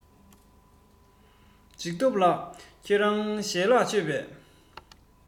འཇིགས སྟོབས ལགས ཁྱེད རང ཞལ ལག མཆོད པས